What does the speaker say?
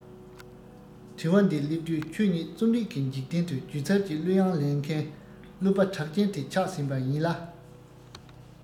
དྲི བ འདི སླེབས དུས ཁྱོད ཉིད རྩོམ རིག གི འཇིག རྟེན དུ སྒྱུ རྩལ གྱི གླུ དབྱངས ལེན མཁན གླུ པ གྲགས ཅན དེ ཆགས ཟིན པ ཡིན ལ